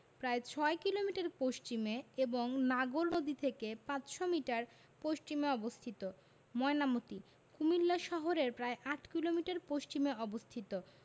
প্রায় ৬ কিলোমিটার পশ্চিমে এবং নাগর নদী থেকে ৫০০ মিটার পশ্চিমে অবস্থিত ময়নামতি কুমিল্লা শহরের প্রায় ৮ কিলোমিটার পশ্চিমে অবস্থিত